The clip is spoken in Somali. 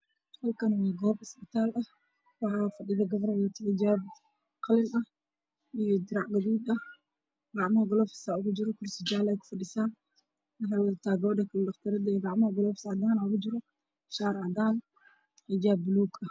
Halakaan waa goob isbitaal ah waxaa fadhido gabar wadato xijaab qalin ah iyo dirac guduud ah gacmaha galoofisaa ugujiro kursi jaala ay ku fadhisaa waxay wadataa gabadha kaloo dhaqtarada ah gacmaga galoofis cadaan ahaa igu jiro shaar cadan iyo xijaab buluug ah